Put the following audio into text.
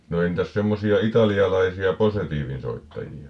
no entäs semmoisia italialaisia posetiivin soittajia